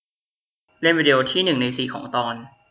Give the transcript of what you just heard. เล่นวีดิโอที่หนึ่งในสี่ของตอน